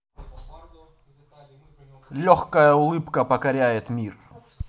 легкая улыбка покоряет мир